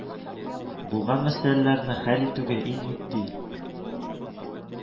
Булган мәсьәләләрне хәл итүгә иң итди